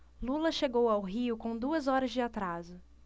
lula chegou ao rio com duas horas de atraso